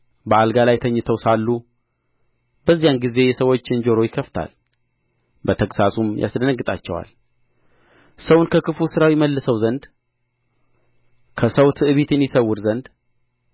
በአልጋ ላይ ተኝተው ሳሉ በዚያን ጊዜ የሰዎችን ጆሮ ይከፍታል በተግሣጹም ያስደነግጣቸዋል ሰውን ከክፉ ሥራው ይመልሰው ዘንድ ከሰውም ትዕቢትን ይሰውር ዘንድ